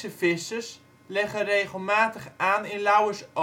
vissers leggen regelmatig aan in Lauwersoog